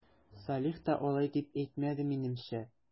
Салих та алай дип әйтмәде, минемчә...